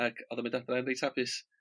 Ac odd o'n mynd adra'n reit hapus.